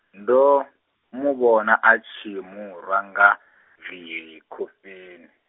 ndo, muvhona a tshi murwa nga, vili khofheni.